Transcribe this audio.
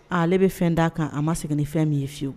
Aaa ale bɛ fɛn d'a kan a ma segin nin fɛn min ye fiyewu